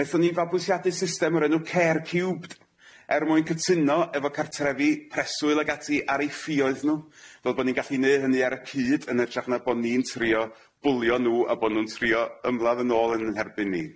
Nethon ni fabwysiadu system o'r enw Care Cubed er mwyn cytuno efo cartrefi preswyl ag ati ar ei ffïoedd nw fel bo ni'n gallu neu' hynny ar y cyd yn ytrach na bo' ni'n trio bwlio nw a bo nw'n trio ymladd yn ôl yn 'yn nherbyn ni.